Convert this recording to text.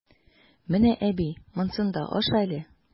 Менә, әби, монсын да аша әле!